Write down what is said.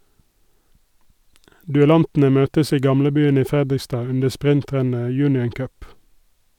Duellantene møtes i Gamlebyen i Fredrikstad under sprintrennet Union Cup.